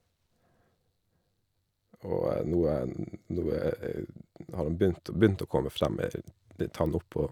Og nå er nå er har han begynt begynt å komme frem ei ei tann oppe óg.